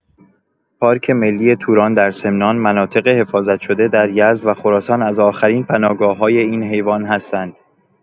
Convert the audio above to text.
پارک ملی توران در سمنان، مناطق حفاظت شده در یزد و خراسان از آخرین پناهگاه‌های این حیوان هستند.